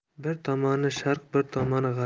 bir tomoni sharq bir tomoni g'arb